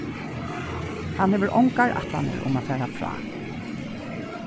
hann hevur ongar ætlanir um at fara frá